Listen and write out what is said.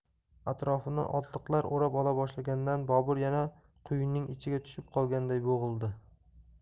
atrofini otliqlar o'rab ola boshlaganda bobur yana quyunning ichiga tushib qolganday bo'g'ildi